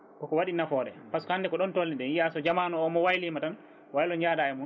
koko waɗi nafoore par ce que hande ko ɗon tolni ɗen wiiya so jamanu o waylima tan waylo jaada e mum